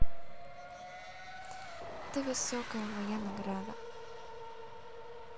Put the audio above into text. ты высокая моя награда